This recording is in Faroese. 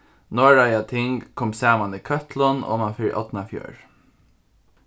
norðoya ting kom saman í køtlum oman fyri árnafjørð